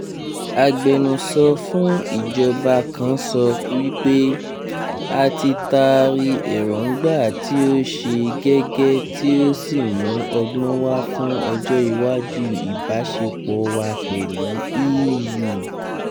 Agbẹnusọ fún ìjọba kan sọ wípé: "A ti taari èròǹgbà tí ó ṣe gẹ́gẹ́ tí ó ṣì mú ọgbọ́n wa fún ọjọ́ iwájú ìbáṣepọ̀ wa pẹ̀lú EU.”